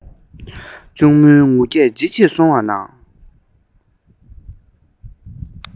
བསྟུན ནས རྒད པོ སྨ ར ཅན དེས